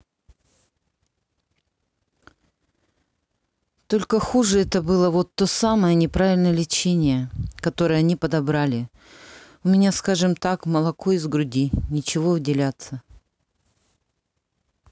только хуже это было вот то самое неправильное лечение которое они подобрали у меня скажем так молоко из груди ничего выделяться